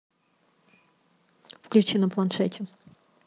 включи на планшете